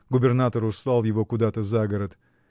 Губернатор услал его куда-то за город.